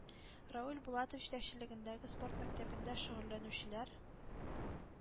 Равил Булатов җитәкчелегендәге спорт мәктәбендә шөгыльләнүчеләр